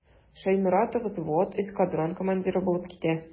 Шәйморатов взвод, эскадрон командиры булып китә.